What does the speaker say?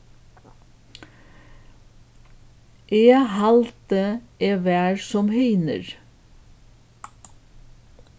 eg haldi eg var sum hinir